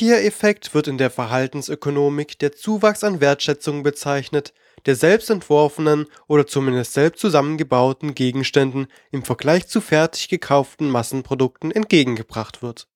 IKEA-Effekt wird in der Verhaltensökonomik der Zuwachs an Wertschätzung bezeichnet, der selbst entworfenen oder zumindest selbst zusammengebauten Gegenständen im Vergleich zu fertig gekauften Massenprodukten entgegengebracht wird